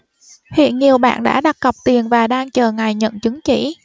hiện nhiều bạn đã đặt cọc tiền và đang chờ ngày nhận chứng chỉ